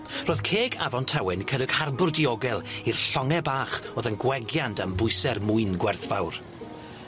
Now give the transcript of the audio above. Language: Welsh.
Ro'dd ceg afon Tawe yn cynnig harbwr diogel i'r llonge bach o'dd yn gwegian dan bwyse'r mwyn gwerthfawr.